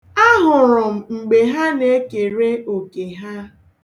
Ahụrụ m mgbe ha na-ekere oke ha.